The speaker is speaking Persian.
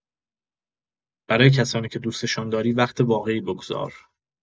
برای کسانی که دوستشان داری وقت واقعی بگذار.